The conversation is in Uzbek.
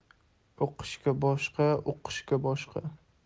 o'qish boshqa uqish boshqa